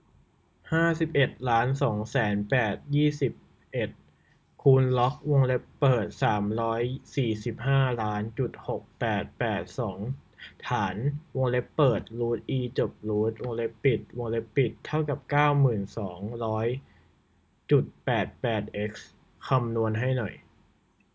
ห้าสิบเอ็ดล้านสองแสนแปดยี่สิบเอ็ดคูณล็อกวงเล็บเปิดสามร้อยสี่สิบห้าล้านจุดหกแปดแปดสองฐานวงเล็บเปิดรูทอีจบรูทวงเล็บปิดวงเล็บปิดเท่ากับเก้าหมื่นสองร้อยจุดแปดแปดเอ็กซ์คำนวณให้หน่อย